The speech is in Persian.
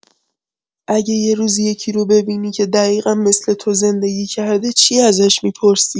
اگه یه روز یکی رو ببینی که دقیقا مثل تو زندگی کرده، چی ازش می‌پرسی؟